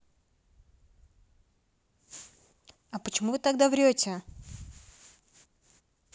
а почему вы тогда врете